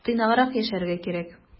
Тыйнаграк яшәргә кирәк.